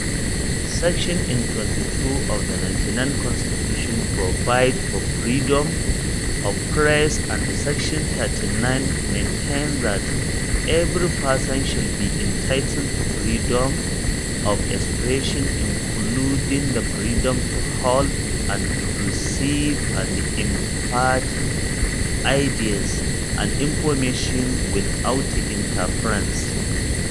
Section 22 of the 1999 Constitution provides for freedom of the press and Section 39 maintains that "every person shall be entitled to freedom of expression, including the freedom to hold and to receive and impart ideas and information without interference..."